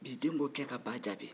bi den b'o kɛ ka ba jaabi